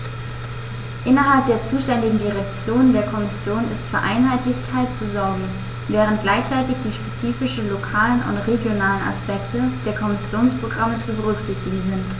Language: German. Innerhalb der zuständigen Direktion der Kommission ist für Einheitlichkeit zu sorgen, während gleichzeitig die spezifischen lokalen und regionalen Aspekte der Kommissionsprogramme zu berücksichtigen sind.